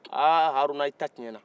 aaa haruna i ta cɛn na